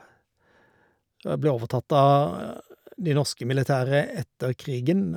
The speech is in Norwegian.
Det ble overtatt av de norske militære etter krigen.